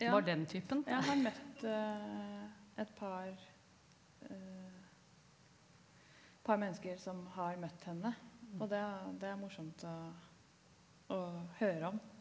ja jeg har møtt et par et par mennesker som har møtt henne og det det er morsomt å å høre om.